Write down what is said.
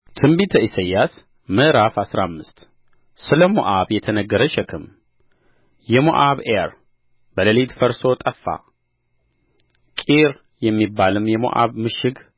ትንቢተ ኢሳይያስ ምዕራፍ አስራ አምስት ስለ ሞዓብ የተነገረ ሸክም የሞዓብ ዔር በሌሊት ፈርሶ ጠፋ ቂር የሚባልም የሞዓብ ምሽግ